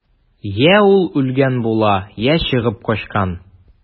Йә ул үлгән була, йә чыгып качкан.